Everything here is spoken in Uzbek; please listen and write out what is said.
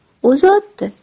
o'zi otdi